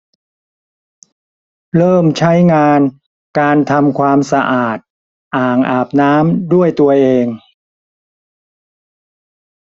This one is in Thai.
เริ่มใช้งานการทำความสะอาดอ่างอาบน้ำด้วยตัวเอง